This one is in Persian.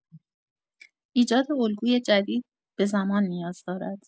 ایجاد الگوی جدید به زمان نیاز دارد.